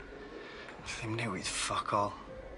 Nath hi'm newid fuck all.